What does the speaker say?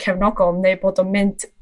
cefnogol neu bod o'n mynd